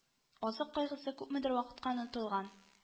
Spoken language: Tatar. Азык кайгысы күпмедер вакытка онытылган